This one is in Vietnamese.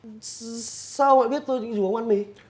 sao ông lại biết tôi định rủ ông ăn mì